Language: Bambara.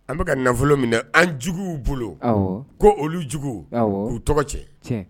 An bɛ ka ka nafolo minɛ an juguw bolo, awɔ, ko olu jugu, awɔ, k'u tɔgɔ tiɲɛ